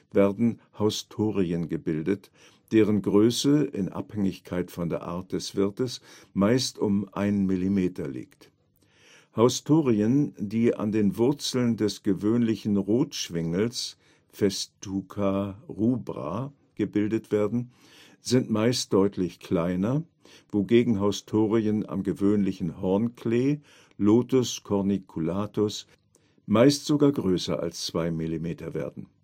werden Haustorien gebildet, deren Größe in Abhängigkeit von der Art des Wirtes meist um einen Millimeter liegt. Haustorien, die an den Wurzeln des Gewöhnlichen Rot-Schwingels (Festuca rubra) gebildet werden, sind meist deutlich kleiner, wogegen Haustorien am Gewöhnlichen Hornklee (Lotus corniculatus) meist sogar größer als zwei Millimeter werden